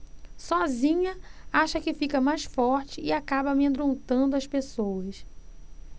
sozinha acha que fica mais forte e acaba amedrontando as pessoas